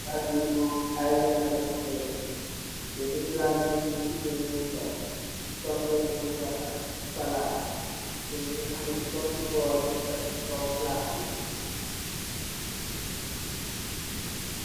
Palase bi mum aye leki mufi neka si palat b chicken mungfa subleh mungfa ak salat amna bowl bunj tek si kaw palat